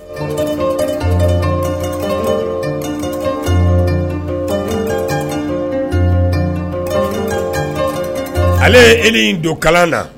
Ale ye e ni don kalan na